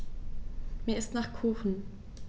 Mir ist nach Kuchen.